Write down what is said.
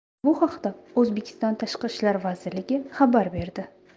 bu haqda o'zbekiston tashqi ishlar vazirligi xabar berdi